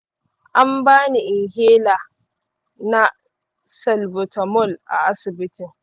an ba ni inhaler na salbutamol a asibitin.